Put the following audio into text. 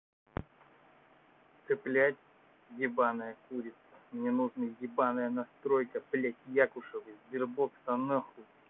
цеплять ебаная курица мне нужно ебаная настройка блядь якушевой сбербокса нахуй